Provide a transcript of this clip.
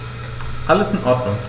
Alles in Ordnung.